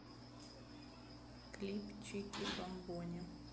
клип чики бамбони